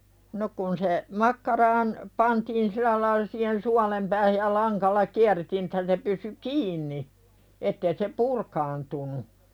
no kun se makkaraan pantiin sillä lailla siihen suolen päähän ja langalla kierrettiin että se pysyi kiinni että ei se purkaantunut